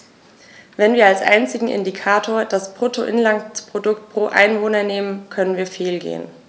Wenn wir als einzigen Indikator das Bruttoinlandsprodukt pro Einwohner nehmen, können wir fehlgehen.